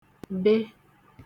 be